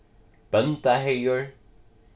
bóndaheygur